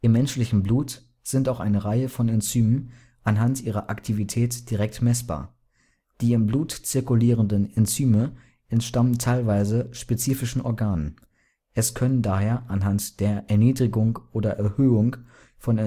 menschlichen Blut sind auch eine Reihe von Enzymen anhand ihrer Aktivität direkt messbar. Die im Blut zirkulierenden Enzyme entstammen teilweise spezifischen Organen. Es können daher anhand der Erniedrigung oder Erhöhung von